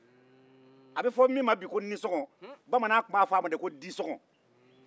a be fɔ min ma bi ko nisɔngɔ bamanan tun b'a fɔ a ma ko disɔngɔ